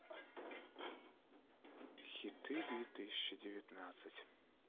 хиты две тысячи девятнадцать